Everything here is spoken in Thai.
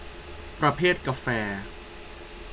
ประเภทกาแฟ